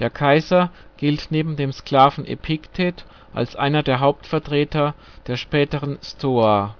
Kaiser gilt neben dem Sklaven Epiktet als einer der Hauptvertreter der späten Stoa